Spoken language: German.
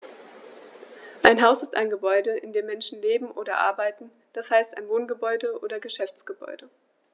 Ein Haus ist ein Gebäude, in dem Menschen leben oder arbeiten, d. h. ein Wohngebäude oder Geschäftsgebäude.